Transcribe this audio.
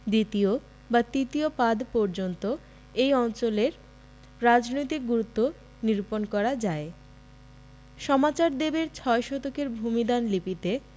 দ্বিতীয় বা তৃতীয় পাদ পর্যন্ত এ অঞ্চলের রাজনৈতিক গুরুত্ব নিরূপন করা যায় সমাচার দেবের ছয় শতকের ভূমিদান লিপিতে